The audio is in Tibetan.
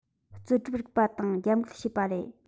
རྩོད སྒྲུབ རིག པ དང རྒྱབ འགལ བྱས པ རེད